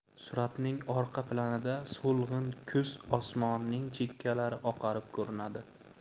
suratning orqa planida so'lg'in kuz osmonining chekkalari oqarib ko'rinadi